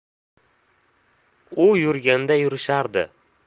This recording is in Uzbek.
u yurganda yurishardi